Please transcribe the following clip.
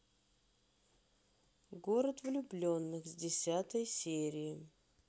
город влюбленных с десятой серии